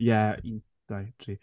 Ie un, dau, tri...